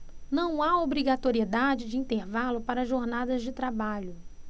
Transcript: não há obrigatoriedade de intervalo para jornadas de trabalho